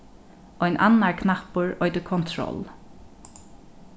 ein annar knappur eitur control